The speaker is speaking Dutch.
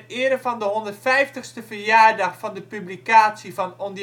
ere van de 150e verjaardag van de publicatie van On